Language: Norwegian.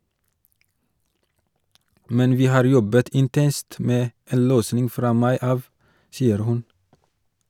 Men vi har jobbet intenst med en løsning fra mai av, sier hun.